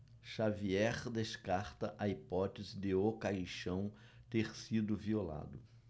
xavier descarta a hipótese de o caixão ter sido violado